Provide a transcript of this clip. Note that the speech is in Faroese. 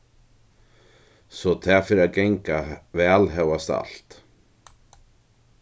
so tað fer at ganga væl hóast alt